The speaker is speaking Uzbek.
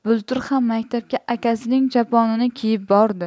bultur ham maktabga akasining choponini kiyib bordi